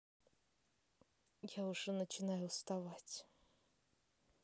я уже начинаю уставать